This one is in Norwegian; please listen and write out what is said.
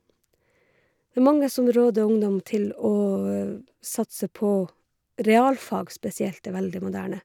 Det er mange som råder ungdom til å satse på realfag, spesielt, er veldig moderne.